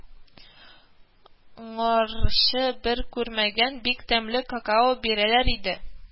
Ңарчы без күрмәгән бик тәмле какао бирәләр иде